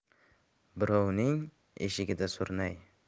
birovning eshigida surnay